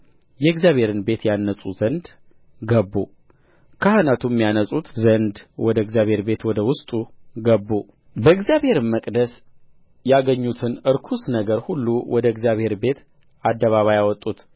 የእግዚአብሔርን ቤት ያነጹ ዘንድ ገቡ ካህናቱም ያነጹት ዘንድ ወደ እግዚአብሔር ቤት ወደ ውስጡ ገቡ በእግዚአብሔርም መቅደስ ያገኙትን ርኩስ ነገር ሁሉ ወደ እግዚአብሔር ቤት አደባባይ አወጡት